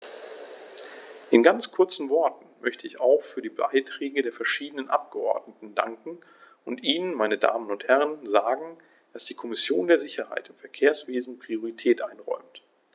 In ganz kurzen Worten möchte ich auch für die Beiträge der verschiedenen Abgeordneten danken und Ihnen, meine Damen und Herren, sagen, dass die Kommission der Sicherheit im Verkehrswesen Priorität einräumt.